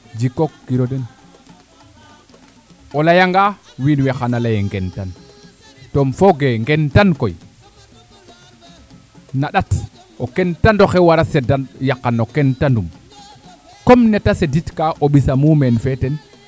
ji kook kiro den o leya nga wiin we xana leye ngen tan tom fooge ngen tan koy na ndat o kentanoxe wara sedan yaqa no kenta num comme neete sidid ka ɓisa mumeen fe ten